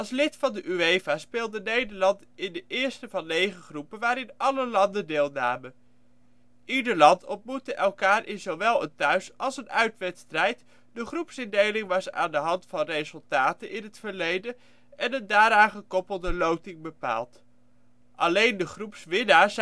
lid van de UEFA speelde Nederland in de eerste van negen groepen waarin alle landen deelnamen. Ieder land ontmoette elkaar in zowel een thuis - als een uitwedstrijd, de groepsindeling was aan de hand van resultaten in het verleden en een daaraan gekoppelde loting bepaald. Alleen de groepswinnaar